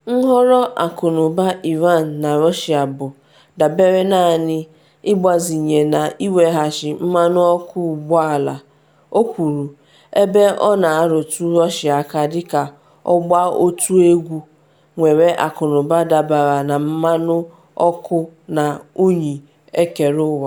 “Nhọrọ akụnụba Iran na Russia bụ, dabere naanị, ịgbazinye na iweghachi mmanụ ọkụ ụgbọ ala,” o kwuru, ebe ọ na-arụtụ Russia aka dị ka “ọgba otu egwu” nwere akụnụba dabere na mmanụ ọkụ na unyi ekereụwa.